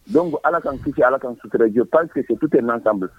Donc ala kan kisi ala kan sutura je pense que c'est tout un ensemble